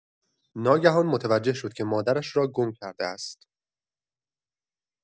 ناگهان متوجه شد که مادرش را گم کرده است.